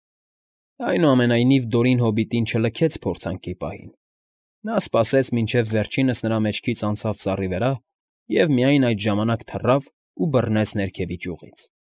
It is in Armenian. Այնուամենայնիվ Դորին հոբիտին չլքեց փորձանքի պահին, նա սպասեց, մինչև վերջինս նրա մեջքից անցավ ծառի վրա և միայն այդ ժամանակ թռավ ու բռնեց ներքևի ճյուղից։